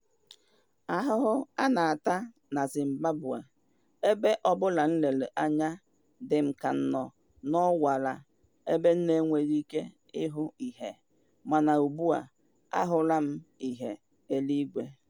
Ahụhụ a na-ata na Zimbabwe, ebe ọbụla m lere anya dị m ka m nọ n'ọwara ebe m na-enweghị ike ịhụ ìhè, mana ugbua, ahụla m ìhè n'eluigwe.